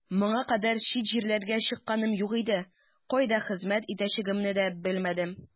Моңа кадәр чит җирләргә чыкканым юк иде, кайда хезмәт итәчәгемне дә белмәдем.